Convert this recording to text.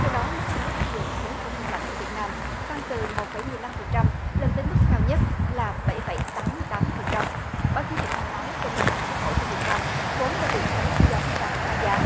theo đó mức thuế áp dụng với tôm đông lạnh của việt nam tăng từ một phẩy mười lăm phần trăm lên tới mức cao nhất là bảy phẩy tám mươi tám phần trăm báo chí việt nam nói tôm đông lạnh xuất khẩu của việt nam vốn đã bị thuế chống bán phá giá